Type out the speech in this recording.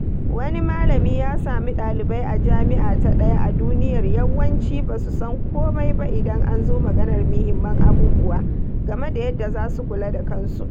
Wani malami ya sami ɗalibai a jami’a ta ɗaya a duniyar yawanci ba su san kome ba idan an zo maganar muhimman abubuwa game da yadda za su kula da kansu.